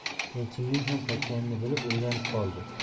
elchinning ham qaytganini bilib o'ylanib qoldi